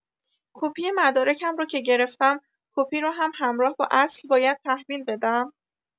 کپی مدارکم رو که گرفتم کپی رو هم همراه با اصل باید تحویل بدم؟